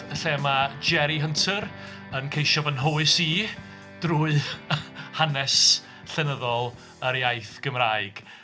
Lle mae Jerry Hunter yn ceisio fy nhywys i drwy hanes llenyddol yr iaith Gymraeg.